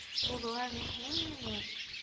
Булуы мөһиммени